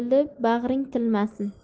bilib bag'ring tilmasin